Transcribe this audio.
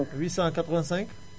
ok 885